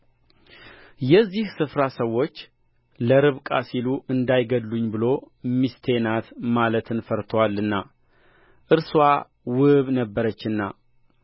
የዚያም ስፍራ ሰዎች ስለ ሚስቱ ጠየቁት እርሱም እኅቴ ናት አለ የዚህ ስፍራ ስዎች ለርብቃ ሲሉ እንዳይገድሉኝ ብሎ ሚስቴ ናት ማለትን ፈርቶአልና እርስዋ ውብ ነበረችና